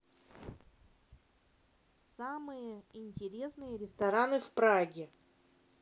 самые интересные рестораны в праге